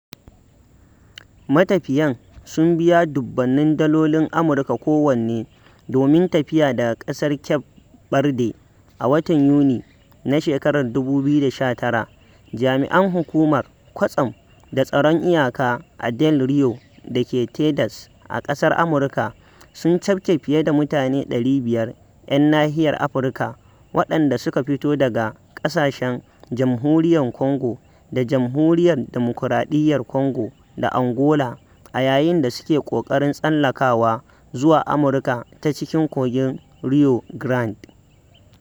Matafiyan sun biya "dubunnan dalolin Amurka kowanne" domin tafiya daga ƙasar Cape ɓerde. A watan Yuni na shekarar 2019, jami'an Hukumar Kwastam da Tsaron Iyaka a Del Rio da ke Teɗas a ƙasar Amurka sun cafke fiye da mutane 500 'yan nahiyar Afirka waɗanda suka fito daga ƙasashen Jamhuriyar Kongo da Jamhuriyar Dimukraɗiyyar Kongo da Angola a yayin da suke ƙoƙarin tsallakawa zuwa Amurka ta cikin Kogin Rio Grande.